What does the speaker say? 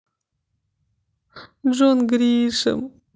джон гришэм